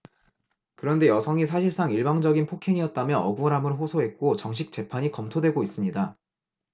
그런데 여성이 사실상 일방적인 폭행이었다며 억울함을 호소했고 정식 재판이 검토되고 있습니다